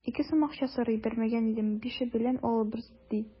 Ике сум акча сорый, бирмәгән идем, бише белән алырбыз, ди.